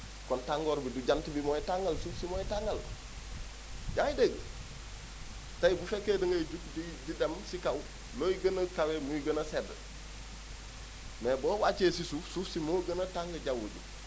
kon tàngoor bi du jant bi mooy tàngal suuf si mooy tàngal yaa ngi dégg tey bu fekkee da ngay jóg di dem si kaw looy gën a kawe muy gën a sedd mais boo wàccee si suuf suuf si moo gën a tàng jaww ji